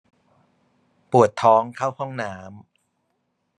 ปวดท้องเข้าห้องน้ำ